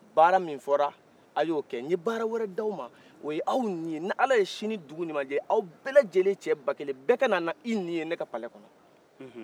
baara min fɔra a ye o kɛ n ye baara wɛrɛ di aw man o ye aw ni ye ni ala ye sini dugu ɲuman jɛ aw bɛɛ lajɛlen cɛ ba kelen bɛɛ ka na ni i ni ye n ka palɛ kɔnɔ unhun